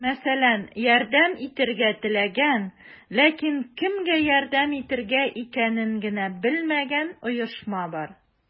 Мәсәлән, ярдәм итәргә теләгән, ләкин кемгә ярдәм итергә икәнен генә белмәгән оешма бар.